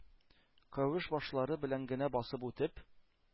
Кәвеш башлары белән генә басып үтеп,